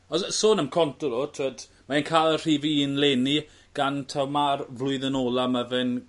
O s-sôn am Contador t'wod mae e'n ca'l y rhif un leni gan taw ma'r flwyddyn ola ma' fe'n